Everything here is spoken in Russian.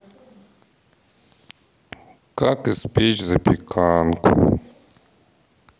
как испечь запеканку